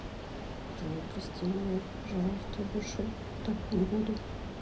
джой прости меня пожалуйста я больше так не буду